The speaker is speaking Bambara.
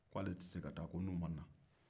ko ale tɛ se taa ko fo n'u mana